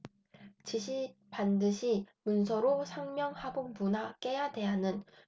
지시 반드시 문서로 상명하복 문화 깨야대안은 결국 다시 제도다